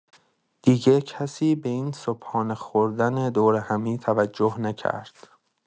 دیگه کسی به این صبحانه خوردن دور همی توجه نکرد.